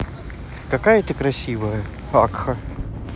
какая ты красивая akha